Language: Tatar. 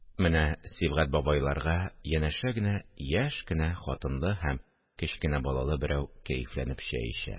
Менә Сибгать бабайларга янәшә генә яшь кенә хатынлы һәм кечкенә балалы берәү кәефләнеп чәй эчә